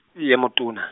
ye motona.